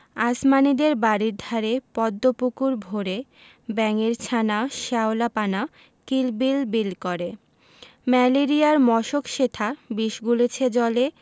আসমানীদের বাড়ির ধারে পদ্ম পুকুর ভরে ব্যাঙের ছানা শ্যাওলা পানা কিল বিল বিল করে ম্যালেরিয়ার মশক সেথা বিষ গুলিছে জলে